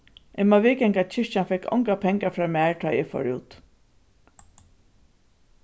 eg má viðganga at kirkjan fekk ongar pengar frá mær tá ið eg fór út